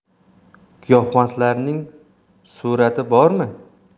giyohvandlarning surati bormi